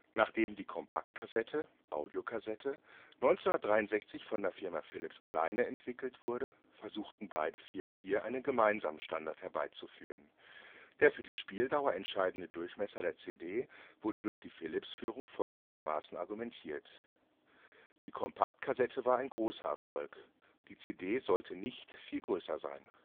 Nachdem die Compact Cassette (Audiokassette) 1963 von der Firma Philips alleine entwickelt wurde, versuchten beide Firmen hier einen gemeinsamen Standard herbeizuführen. Der für die Spieldauer entscheidende Durchmesser der CD wurde durch die Philips-Führung folgendermaßen argumentiert: Die Compact Cassette war ein großer Erfolg, die CD sollte nicht viel größer sein